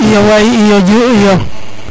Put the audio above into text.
iyo waay iyo Diouf iyo